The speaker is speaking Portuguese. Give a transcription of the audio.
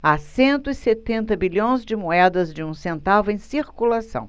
há cento e setenta bilhões de moedas de um centavo em circulação